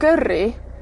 gyrru,